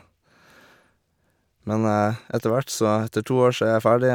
Men etter hvert så etter to år så er jeg ferdig.